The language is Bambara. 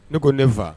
Ne ko ne n fa